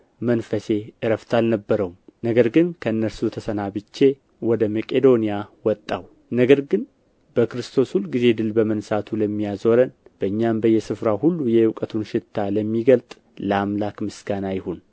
መንፈሴ ዕረፍት አልነበረውም ነገር ግን ከእነርሱ ተሰናብቼ ወደ መቄዶንያ ወጣሁ ነገር ግን በክርስቶስ ሁልጊዜ ድል በመንሣቱ ለሚያዞረን በእኛም በየስፍራው ሁሉ የእውቀቱን ሽታ ለሚገልጥ ለአምላክ ምስጋና ይሁን